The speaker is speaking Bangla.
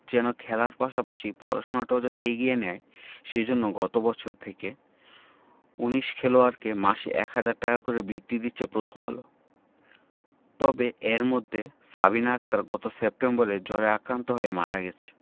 যেন খেলার পাশাপাশি পড়াশোনাটাও যাতে এগিয়ে নেয় সে জন্য গত বছর থেকে ১৯ খেলোয়াড়কে মাসে ১ হাজার টাকা করে বৃত্তি দিচ্ছে প্রথম আলো তবে এর মধ্যে সাবিনা আক্তার গত সেপ্টেম্বরে জ্বরে আক্রান্ত হয়ে মারা গেছে